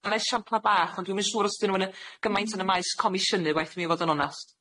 Ma' 'na esiampla bach, ond dwi'm yn siŵr os 'dyn nw yn y- gymaint yn y maes comisiynu, waeth mi fod yn onast.